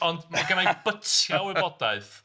Ond ma' gynna i bytiau o wybodaeth...